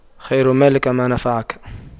خير مالك ما نفعك